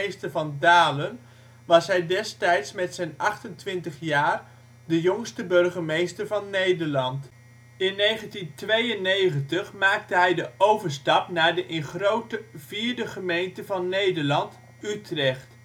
van Dalen was hij destijds met zijn 28 jaar de jongste burgemeester van Nederland. In 1992 maakte hij de overstap naar de in grootte vierde gemeente van Nederland, Utrecht